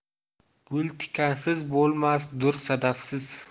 gul tikansiz bo'lmas dur sadafsiz